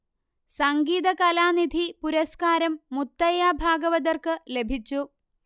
സംഗീത കലാനിധി പുരസ്കാരം മുത്തയ്യാ ഭാഗവതർക്ക് ലഭിച്ചു